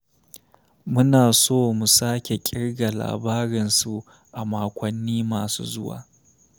Muna so mu sake kirga labarinsu a makwanni masu zuwa.